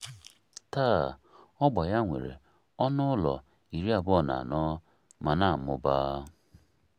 Taa, ọgba ya nwere ọnụ ụlọ 24 ma na-amụba.